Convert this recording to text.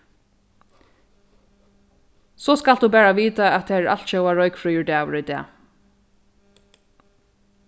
so skalt tú bara vita at tað er altjóða roykfríur dagur í dag